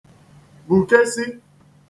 gbùkesị̄